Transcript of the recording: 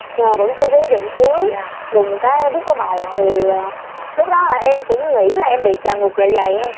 nhưng mà vẫn chưa có ý định cưới dạ đùng một cái biết có bầu thì lúc đó là em cũng nghĩ là em bị trào ngược dạ dày thôi